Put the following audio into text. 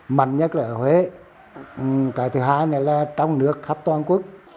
mạnh nhất là ở huế cái thứ hai là trong nước khắp toàn quốc